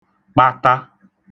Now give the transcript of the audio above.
kpata